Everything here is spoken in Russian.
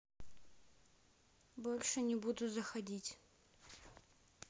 больше не будут заходить